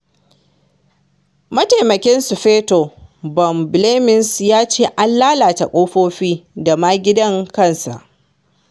Mataimakin Sufeto Bob Blemmings ya ce an lalata ƙofofi da ma gidan kansa.